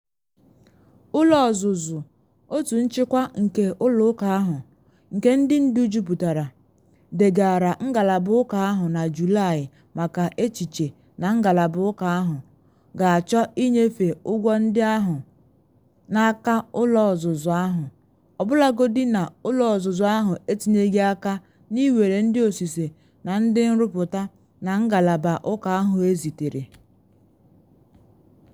Ụlọ ọzụzụ - otu nchịkwa nke ụlọ ụka ahụ, nke ndị ndu juputara - degara ngalaba ụka ahụ na Julaị maka echiche na ngalaba ụka ahụ “ga-achọ ịnyefe ụgwọ ndị ahụ” n’aka ụlọ ozuzu ahụ, ọbụlagodi na ụlọ ozuzu ahụ etinyeghị aka na iwere ndi ọsịse na ndị nrụpụta na ngalaba ụka ahụ ezitere.